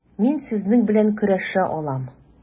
Мин сезнең белән көрәшә алам.